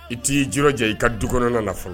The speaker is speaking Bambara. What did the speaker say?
I t'i ji lajɛ i ka du kɔnɔna na fɔlɔ